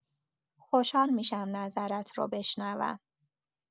خوشحال می‌شم نظرت رو بشنوم!